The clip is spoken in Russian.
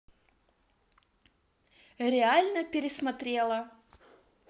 реально пересмотрела